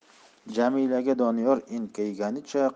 jamilaga doniyor enkayganicha